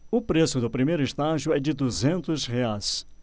o preço do primeiro estágio é de duzentos reais